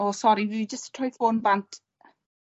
O sori dwi jyst troi ffôn bant.